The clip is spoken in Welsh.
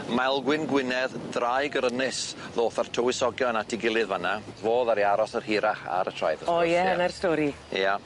Maelgwyn Gwynedd draig yr ynys ddoth â'r tywysogion at eu gilydd fan 'na fo ddaru aros yr hirach ar y traeth wrth gwrs ia. O ie 'na'r stori. Ia.